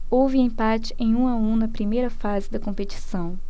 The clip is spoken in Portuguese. houve empate em um a um na primeira fase da competição